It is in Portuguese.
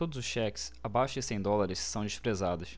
todos os cheques abaixo de cem dólares são desprezados